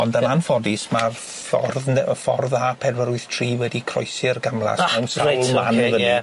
Ond yn anffodus ma'r ffordd ne- y ffordd a pedwar wyth tri wedi croesi'r gamlas. A reit.